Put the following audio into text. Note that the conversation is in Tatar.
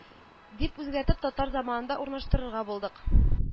Дип үзгәртеп, татар заманында урнаштырырга булдык